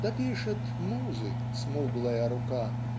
Допишет Музы смуглая рука.